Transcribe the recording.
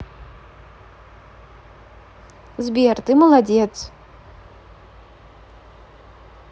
сбер ты молодец